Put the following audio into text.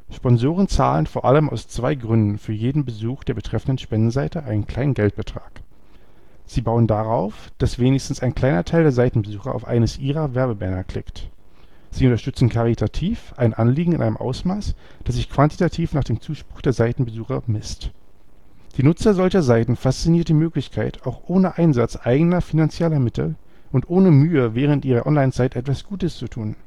Sponsoren zahlen vor allem aus zwei Gründen für jeden Besuch der betreffenden Spendenseite einen kleinen Geldbetrag: Sie bauen darauf, dass wenigstens ein kleiner Teil der Seitenbesucher auf eines ihrer Werbebanner klickt; sie unterstützen karitativ ein Anliegen in einem Ausmaß, das sich quantitativ nach dem Zuspruch der Seitenbesucher bemisst. Die Nutzer solcher Seiten fasziniert die Möglichkeit, auch ohne Einsatz eigener finanzieller Mittel und ohne Mühe während ihrer Online-Zeit etwas Gutes zu tun